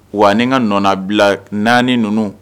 Wa ni ka nɔbila naani ninnu